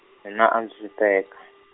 mina a ndzi si teka.